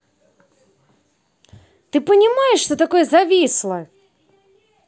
ты понимаешь что такое зависло